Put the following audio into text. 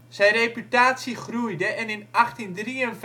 Zijn reputatie groeide en in 1853